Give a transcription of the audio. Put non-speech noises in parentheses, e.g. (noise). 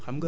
(hesitation)